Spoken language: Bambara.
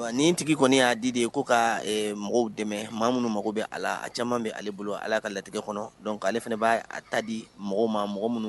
Nin tigi kɔni y'a di de ye ko ka mɔgɔw dɛmɛ maa minnu mago bɛ a la a caman bɛ' bolo ala ka latigɛ kɔnɔ dɔn ale fana b'a ta di mɔgɔ ma mɔgɔ minnu